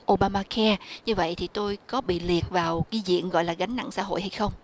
ô ba ma ke như vậy thì tôi có bị liệt vào cái diện gọi là gánh nặng xã hội hay không